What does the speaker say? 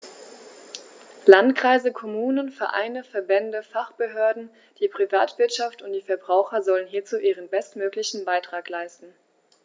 Landkreise, Kommunen, Vereine, Verbände, Fachbehörden, die Privatwirtschaft und die Verbraucher sollen hierzu ihren bestmöglichen Beitrag leisten.